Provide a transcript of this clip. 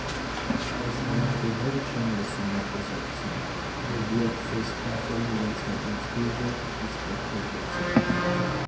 Բայց նրա ընկերները չէին լսում մեր խոսակցությունը, և երբ ֆեյս քոնթրոլն իրենց հայտնեց գույժը, խիստ վրդովվեցին։